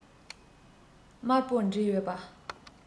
དམར པོ འདྲེས ཡོད པས